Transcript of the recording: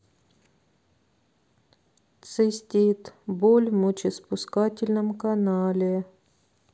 цистит боль в мочеиспускательном канале